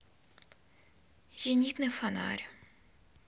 зенитный фонарь